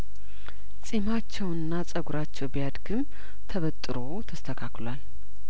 ጺማቸውና ጸጉራቸው ቢያድግም ተበጥሮ ተስተካክሏል